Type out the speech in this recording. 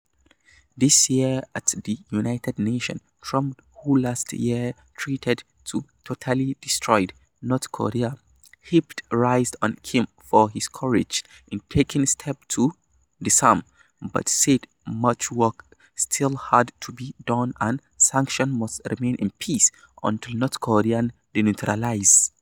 This year at the United Nations, Trump, who last year threatened to "totally destroy" North Korea, heaped praise on Kim for his courage in taking steps to disarm, but said much work still had to be done and sanctions must remain in place until North Korea denuclearizes.